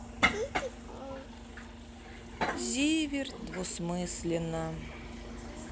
зиверт двусмысленно